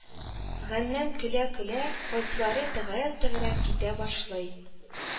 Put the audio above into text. Гәннән көлә-көлә, кайсылары тәгәрәп-тәгәрәп китә башлый